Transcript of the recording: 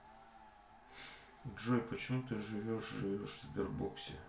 джой почему ты живешь живешь в сбербоксе